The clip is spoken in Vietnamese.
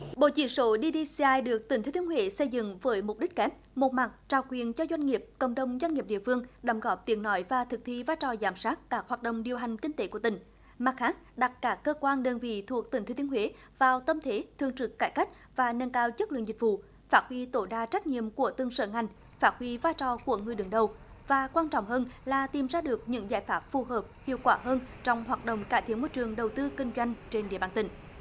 bộ chỉ số đi đi xi ai được tỉnh thừa thiên huế xây dựng với mục đích kép một mặt trao quyền cho doanh nghiệp cộng đồng doanh nghiệp địa phương đóng góp tiếng nói và thực thi vai trò giám sát các hoạt động điều hành kinh tế của tỉnh mặt khác đặt cả cơ quan đơn vị thuộc tỉnh thừa thiên huế vào tâm thế thường trực cải cách và nâng cao chất lượng dịch vụ phát huy tối đa trách nhiệm của từng sở ngành phát huy vai trò của người đứng đầu và quan trọng hơn là tìm ra được những giải pháp phù hợp hiệu quả hơn trong hoạt động cải thiện môi trường đầu tư kinh doanh trên địa bàn tỉnh